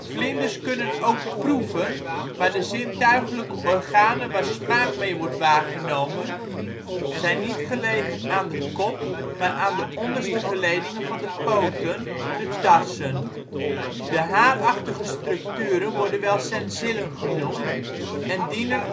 Vlinders kunnen ook proeven maar de zintuiglijke organen waar smaak mee wordt waargenomen zijn niet gelegen aan de kop maar aan de onderste geledingen van de poten; de tarsen. De haar-achtige structuren worden wel sensillen genoemd en dienen